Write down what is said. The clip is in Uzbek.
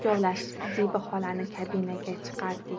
ikkovlashib zebi xolani kabinaga chiqardik